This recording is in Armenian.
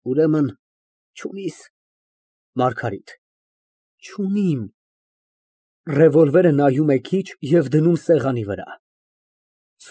Ուրեմն չունի՞ս։ ՄԱՐԳԱՐԻՏ ֊ Չունիմ։ (Ռևոլվերը նայում է քիչ և դնում սեղանի վրա)։